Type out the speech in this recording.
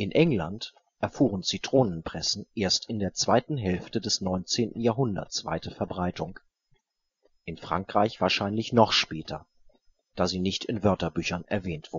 England erfuhren Zitronenpressen erst in der zweiten Hälfte des 19. Jahrhunderts weite Verbreitung, in Frankreich wahrscheinlich noch später, da sie nicht in Wörterbüchern erwähnt